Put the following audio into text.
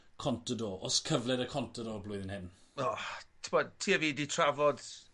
Contador. O's cyfle 'da Contador y blwyddyn hyn? O t'bod ti a fi 'di trafod